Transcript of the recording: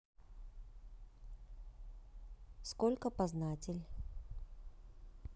сколько познатель